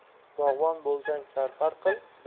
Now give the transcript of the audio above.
bog'bon bo'lsang sarxar qil